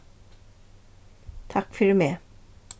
takk fyri meg